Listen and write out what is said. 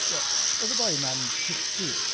D- o- oedd y boi 'ma'n fifty.